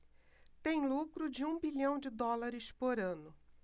tem lucro de um bilhão de dólares por ano